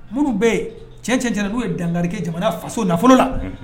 Muru bɛ yen cɛncɛnɲɛna n'o ye danke jamana faso nafolo la